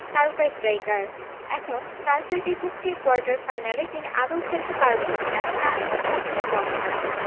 তারকা স্ট্রাইকার এখন ফ্রান্সের বিপক্ষে কোয়ার্টার ফাইনালে তিনি আদৌ খেলতে পারবেন কি না তা নিয়ে চলছে ধোঁয়াশা